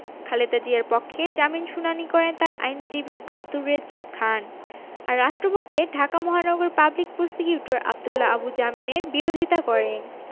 খালেদা জিয়ার পক্ষে জামিন শুনানি করেন তার আইনজীবী আব্দুর রেজ্জাক খান আর রাষ্ট্রপক্ষে ঢাকা মহানগর পাবলিক প্রসিকিউটর আব্দুল্লাহ আবু জামিনের বিরোধিতা করেন